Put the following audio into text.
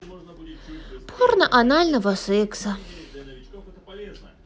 порно анального секса